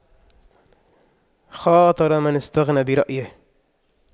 خاطر من استغنى برأيه